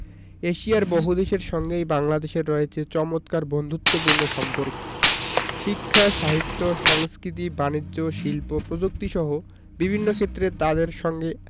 এশিয়ার বহুদেশের সঙ্গেই বাংলাদেশের রয়েছে চমৎকার বন্ধুত্বপূর্ণ সম্পর্ক শিক্ষা সাহিত্য সংস্কৃতি বানিজ্য শিল্প প্রযুক্তিসহ বিভিন্ন ক্ষেত্রে তাদের সঙ্গে